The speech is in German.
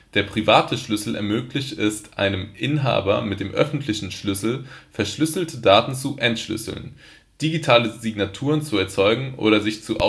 Der private Schlüssel ermöglicht es seinem Inhaber, mit dem öffentlichen Schlüssel verschlüsselte Daten zu entschlüsseln, digitale Signaturen zu erzeugen oder sich zu